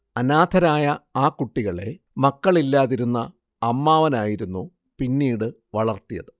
അനാഥരായ ആ കുട്ടികളെ മക്കളില്ലായിരുന്ന അമ്മാവനായിരുന്നു പിന്നീട് വളർത്തിയത്